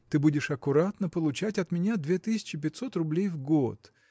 Ты будешь аккуратно получать от меня две тысячи пятьсот рублей в год.